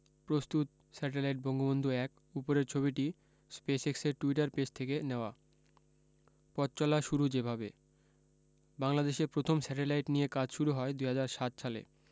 প্রস্তুত স্যাটেলাইট বঙ্গবন্ধু ১ উপরের ছবিটি স্পেসএক্সের টুইটার পেজ থেকে নেওয়া পথচলা শুরু যেভাবে বাংলাদেশে প্রথম স্যাটেলাইট নিয়ে কাজ শুরু হয় ২০০৭ সালে